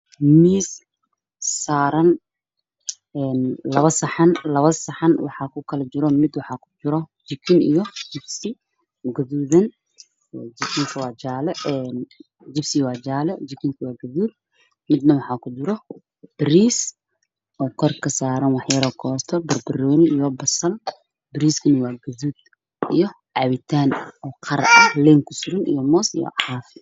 Waa miis waxaa saaran labo saxan waxaa kujiro jikin gaduud ah iyo jibsi jaale ah, midna waxaa kujiro bariis oo kor kasaaran koosto, barbanooni iyo basal, bariisku waa gaduud iyo cabitaan qare oo liin suran tahay, moos iyo caafi.